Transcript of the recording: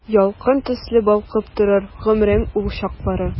Ялкын төсле балкып торыр гомернең ул чаклары.